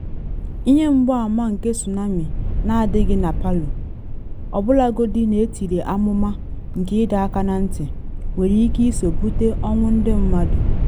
Ihe mgbama nke tsunami na adịghị na Palu, ọbụlagodi na etiri amụma nke ịdọ aka na ntị, nwere ike iso bute ọnwụ ndị mmadụ.